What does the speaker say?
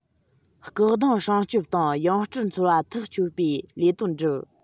སྐུ གདུང སྲུང སྐྱོབ དང ཡང སྤྲུལ འཚོལ བ དང ཐག གཅོད པའི ལས དོན བསྒྲུབས